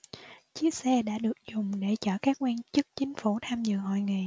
chiếc xe đã được dùng để chở các quan chức chính phủ tham dự hội nghị